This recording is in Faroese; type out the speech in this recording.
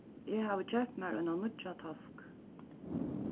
eg havi keypt mær eina nýggja tasku